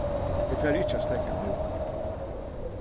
eg fari ikki at steðga nú